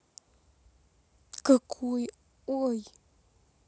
какой ой